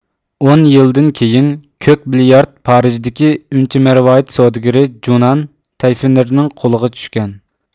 ئون يىلدىن كېيىن كۆك بىليارت پارىژدىكى ئۈنچە مەرۋايىت سودىگىرى جۇنان تەيفىنېرنىڭ قولىغا چۈشكەن